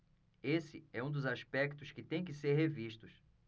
esse é um dos aspectos que têm que ser revistos